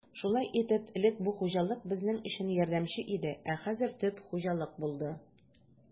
Шулай итеп, элек бу хуҗалык безнең өчен ярдәмче иде, ә хәзер төп хуҗалык булды.